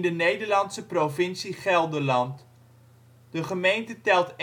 Nederlandse provincie Gelderland. De gemeente telt